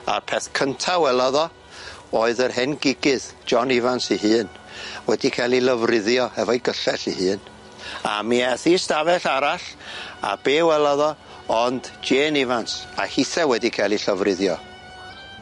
A'r peth cynta welodd o oedd yr hen gigydd John Ivans ei hun wedi cael ei lofruddio efo'i gyllell ei hun. A mi eth i stafell arall a be' welodd o ond Jên Ivans a hithe wedi ca'l 'i llofruddio.